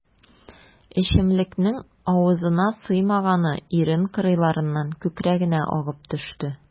Эчемлекнең авызына сыймаганы ирен кырыйларыннан күкрәгенә агып төште.